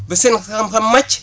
ba seen xam-xam màcc